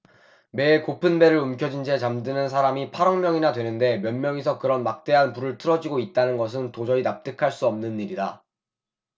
매일 고픈 배를 움켜쥔 채 잠드는 사람이 팔 억 명이나 되는데 몇 명이서 그런 막대한 부를 틀어쥐고 있다는 것은 도저히 납득할 수 없는 일이다